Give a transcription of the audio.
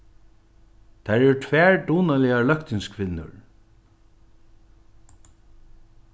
tær eru tvær dugnaligar løgtingskvinnur